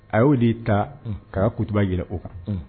A y'o de ta ka kutuba jira o kan